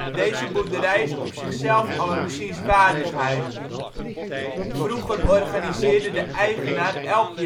Deze boerderij is op zichzelf al een bezienswaardigheid. Vroeger organiseerde de eigenaar elk